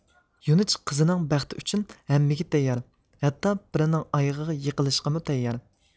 يۇنىج قىزىنىڭ بەختى ئۈچۈن ھەممىگە تەييار ھەتتا بىرىنىڭ ئايىغىغا يىقىلىشقىمۇ تەييار